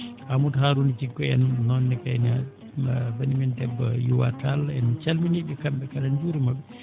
Amadou Harouna Djigo en ɗum noon ne kaye ne banii men debbo Youwa Tall en calminii ɓe kamɓe kala en njuuriima ɓe